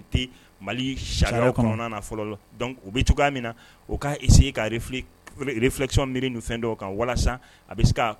Tɛ Mali sariya kɔnɔna na fɔlɔ donc o bɛ cogoya min na, o ka essayer ka refle réflexion miri nin fɛn dɔw kan walasa a bɛ se ka